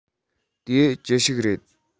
དེ ཅི ཞིག རེད